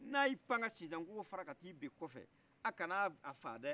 n' a ye i pan ka sinsa kogo fara ka taga i ben kɔfɛ a kana a faga dɛɛ